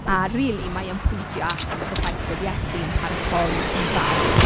A rili mae e'n pwyntio at y ffaith bod Iesu yn paratoi i farw.